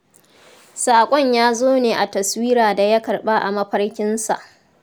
Saƙon ya zo ne a taswira da ya karɓa a mafarkinsa.